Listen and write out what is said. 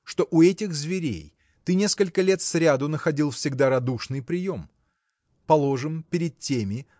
что у этих зверей ты несколько лет сряду находил всегда радушный прием положим перед теми